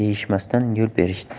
deyishmasdan yo'l berishdi